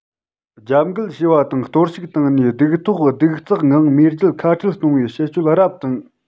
རྒྱབ འགལ བྱས པ དང གཏོར བཤིག བཏང ནས སྡུག ཐོག སྡུག བརྩེགས ངང མེས རྒྱལ ཁ ཕྲལ གཏོང བའི བྱེད སྤྱོད རབ དང